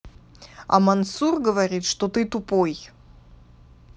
а мансур говорит что ты тупой